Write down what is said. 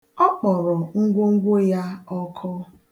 Ọ kpọrọ ngwongwo ya ọkụ.